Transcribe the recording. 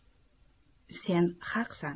sen haqsan